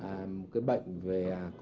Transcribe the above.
cái bệnh về à